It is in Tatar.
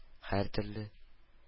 Һәртөрле